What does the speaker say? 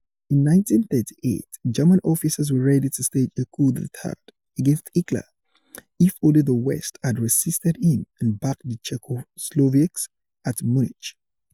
In 1938, German officers were ready to stage a coup d"état against Hitler, if only the West had resisted him and backed the Czechoslovaks at Munich.